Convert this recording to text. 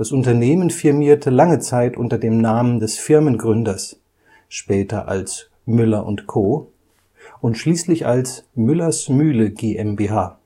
Unternehmen firmierte lange Zeit unter dem Namen des Firmengründers, später als Müller & Co. und schließlich als Müller’ s Mühle GmbH